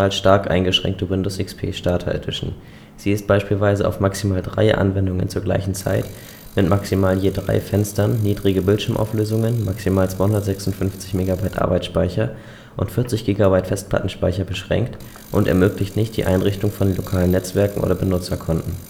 stark eingeschränkte Windows XP Starter Edition. Sie ist beispielsweise auf maximal drei Anwendungen zur gleichen Zeit mit maximal je drei Fenstern, niedrige Bildschirmauflösungen, maximal 256 MB Arbeitsspeicher und 40 GB Festplattenspeicher beschränkt und ermöglicht nicht die Einrichtung von lokalen Netzen oder Benutzerkonten